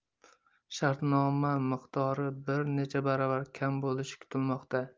shartnoma miqdori bir necha baravar kam bo'lishi kutilmoqda